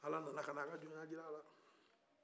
ala nana ka na a ka jɔnya jira a la